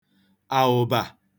àụ̀bà